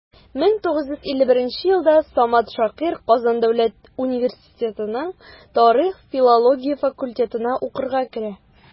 1951 елда самат шакир казан дәүләт университетының тарих-филология факультетына укырга керә.